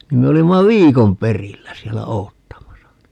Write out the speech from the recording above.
niin me olimme viikon perillä siellä odottamassa niin